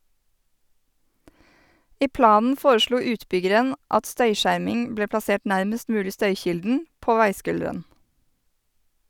I planen foreslo utbyggeren at støyskjerming ble plassert nærmest mulig støykilden, på veiskulderen.